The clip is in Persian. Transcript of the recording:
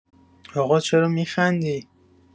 آقا چرا می‌خندی؟